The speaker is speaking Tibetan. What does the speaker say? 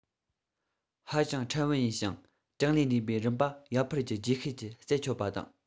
ཧ ཅང ཕྲན བུ ཡིན ཞིང གྲངས ལས འདས པའི རིམ པ ཡར འཕར གྱི རྗེས ཤུལ གྱི རྩད ཆོད པ དང